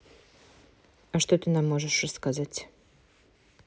а что ты нам можешь рассказать